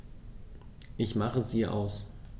Ich mache sie aus.